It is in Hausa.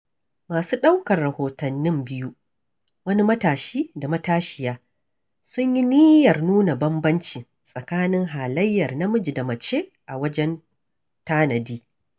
Masu ɗaukar rahotannin biyu, wani matashi da matashiya, sun yi niyyar nuna bambanci tsakanin halayyar namiji da mace a wajen tanadi.